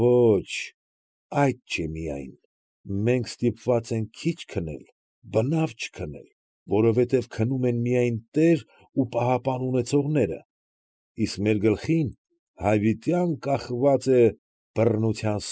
Ոչ. այդ չէ միայն, մենք ստիպված ենք քիչ քնել, բնավ չքնել, որովհետև քնում են միայն տեր ու պահապան ունեցողները, իսկ մեր գլխին հավիտյան կախված է բռնության։